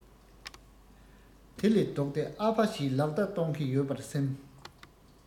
དེ ལས ལྡོག སྟེ ཨ ཕ ཞེས ལག བརྡ གཏོང གི ཡོད པར སེམས